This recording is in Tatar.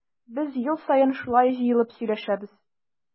Без ел саен шулай җыелып сөйләшәбез.